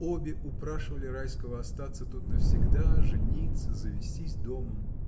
Обе упрашивали Райского остаться тут навсегда, жениться, завестись домом.